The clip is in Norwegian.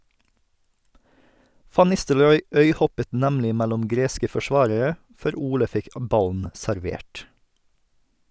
Van Nistelrooy øyhoppet nemlig mellom greske forsvarere, før Ole fikk ballen servert.